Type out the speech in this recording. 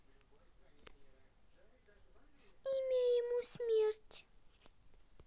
имя ему смерть